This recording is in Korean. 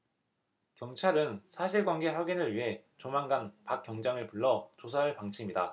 경찰은 사실관계 확인을 위해 조만간 박 경장을 불러 조사할 방침이다